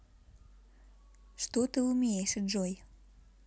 что ты умеешь джой